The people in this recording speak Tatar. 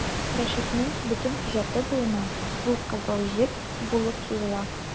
Рәшитнең бөтен иҗаты буена бу кызыл җеп булып сузыла.